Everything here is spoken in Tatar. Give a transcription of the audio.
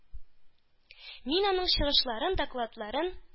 Мин аның чыгышларын, докладларын,